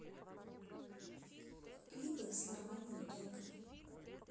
клипы с нормальными телками